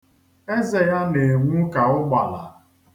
Eze ya na-enwu ka ụgbala.